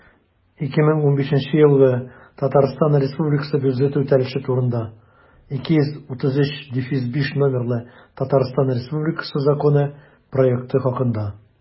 «2015 елгы татарстан республикасы бюджеты үтәлеше турында» 233-5 номерлы татарстан республикасы законы проекты хакында